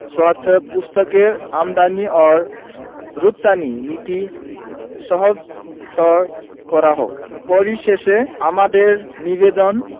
স্বার্থে পুস্তকের আমদানী ও রপ্তানী নীতি সহজতর করা হোক পরিশেষে আমাদের নিবেদন